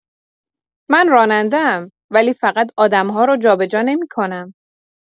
من راننده‌ام، ولی فقط آدم‌ها رو جابه‌جا نمی‌کنم.